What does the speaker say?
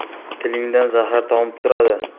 tilingdan zahar tomib turadi